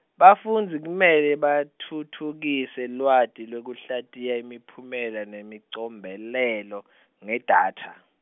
bafundzi kumele batfutfukise lwati lwekuhlatiya imiphumela, nemicombelelo, ngedatha.